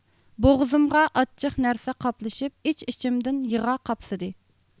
بوغۇزۇمغا ئاچچىق نەرسە قاپلىشىپ ئىچ ئىچىمدىن يىغا قاپسىدى